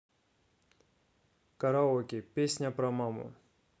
караоке песня про маму